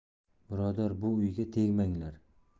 birodar bu uyga tegmanglar